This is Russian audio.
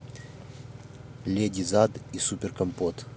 леди зад и супер компот